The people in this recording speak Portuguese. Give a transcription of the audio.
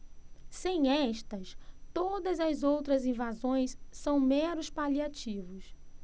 sem estas todas as outras invasões são meros paliativos